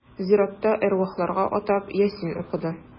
Зиратта әрвахларга атап Ясин укыды.